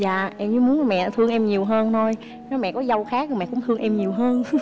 dạ em chỉ muốn mẹ thương em nhiều hơn thôi nếu mẹ có dâu khác thì mẹ cũng thương em nhiều hơn